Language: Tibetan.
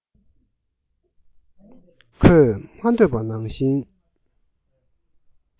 ཁོས མ ཐོས པ ནང བཞིན